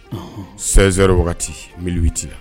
Sɛɛn wagati militi la